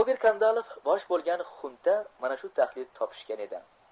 ober kandalov bosh bo'lgan xunta mana shu taxlit topishgan edi